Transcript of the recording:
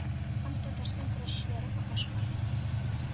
Һәм татарстан көрәшчеләре катнашкан.